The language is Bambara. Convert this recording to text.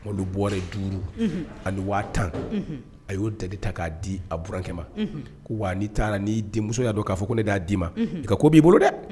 Malo bɔrɛ 5, unhun, ani 5000, unhun, a y'o da ta k'a di a burankɛ maunhun, , ko wa n'i taara n'i denmuso y'a don k'a fɔ ko ne de y'a d'i maunhun,, i ka ko b'i bolo dɛ!